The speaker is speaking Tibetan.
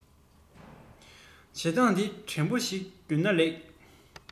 བྱེད བཏང འདི ཕྲན བུ ཞིག རྒྱུར ན ལེགས